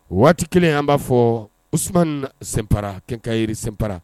Waati kelen an b'a fɔ us sen para kɛ ka yiri sen para